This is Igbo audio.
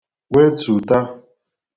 wetùta